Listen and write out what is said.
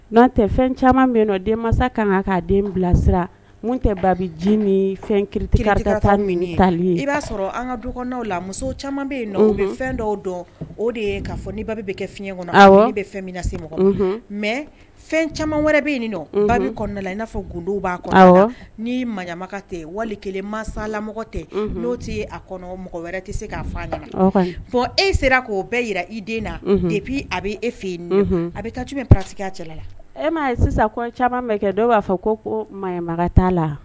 N'an tɛ fɛn caman min nɔ den kan'a den bilasira n tɛ ba ji ni fɛn ki i b'a sɔrɔ an ka dɔgɔnw la muso caman bɛ nɔ o bɛ fɛn dɔw dɔn o de ye' fɔ ni ba bɛ bɛ kɛ fiɲɛ kɔnɔ bɛ fɛn min na se mɔgɔ mɛ fɛn caman wɛrɛ bɛ nɔ ba i n'a fɔ gdo b'a ni maɲama tɛ wali masala mɔgɔ tɛ n'o tɛ a mɔgɔ wɛrɛ tɛ se k'a fa ɲɛna e sera k'o bɛɛ jirara i den napi a bɛ e fɛ a bɛ taa pa cɛla la e sisan caman kɛ dɔw b'a fɛ ko ko mama t la